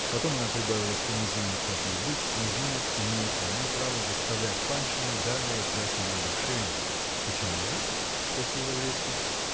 -- Потом она прибавила, что не знает, как ей быть, не знает, имеет ли она право заставлять Паншина долее ждать ее решения. -- Почему же? -- спросил Лаврецкин.